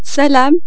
السلام